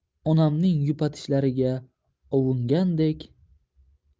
onamning yupatishlariga ovungandek